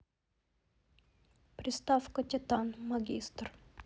приставка титан магистр